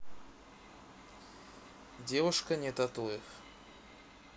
девушка не татуев